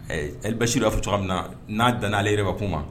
Ɛɛ Albasir y'a fɔ cogo min na n'a dan na ale yɛrɛ bɛ kuma ma?